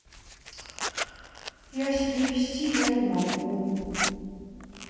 я себя вести я не могу